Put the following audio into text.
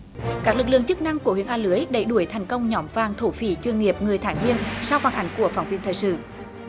các lực lượng chức năng của huyện a lưới đẩy đuổi thành công nhóm vàng thổ phỉ chuyên nghiệp người thản niên sau phản ánh của phóng viên thời sự